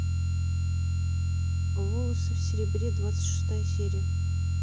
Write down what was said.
волосы в серебре двадцать шестая серия